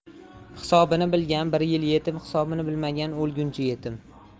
hisobini bilgan bir yil yetim hisobini bilmagan o'lguncha yetim